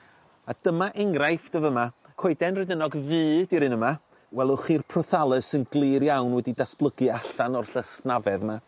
A dyma enghraifft y' fyma coeden redynog ddu 'di'r un yma welwch chi'r prothallus yn glir iawn wedi datblygu allan o'r llysnafedd 'ma